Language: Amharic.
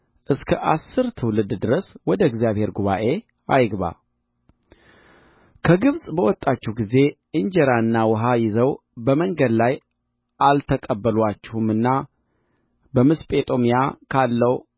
እስከ አሥር ትውልድ ድረስ ወደ እግዚአብሔር ጉባኤ አይግባ ከግብፅ በወጣችሁ ጊዜ እንጀራና ውኃ ይዘው በመንገድ ላይ አልተቀበሉአችሁምና በመስጴጦምያ ካለው